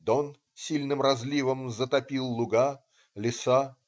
Дон сильным разливом затопил луга, леса.